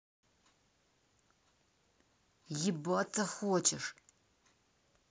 ебаться хочешь